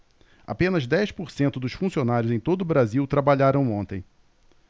apenas dez por cento dos funcionários em todo brasil trabalharam ontem